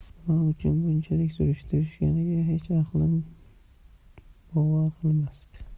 nima uchun bunchalik surishtirganiga hech aqlim bovar qilmasdi